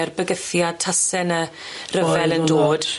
Yr bygythiad tase 'ny ryfel yn dod.